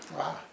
waaw